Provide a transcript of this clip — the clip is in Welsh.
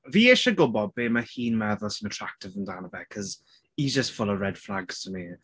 Fi isie gwybod be ma' hi'n meddwl sy'n attractive amdano fe. 'Cos he's just full of red flags for me.